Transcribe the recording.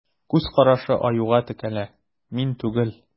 Күз карашы Аюга текәлә: мин түгел.